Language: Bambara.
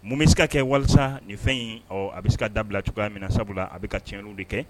Mun bɛ se ka kɛ walasa nin fɛn in a bɛ se ka dabila cogoya minɛ na sabula a bɛ ka cɛnw de kɛ